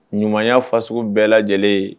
Ɲumanya fa sugu bɛɛ lajɛlen ye